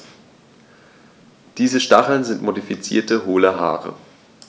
Diese Stacheln sind modifizierte, hohle Haare.